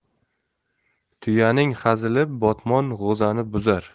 tuyaning hazili botmon g'o'zani buzar